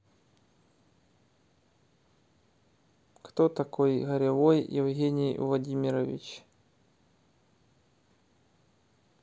кто такой горевой евгений владимирович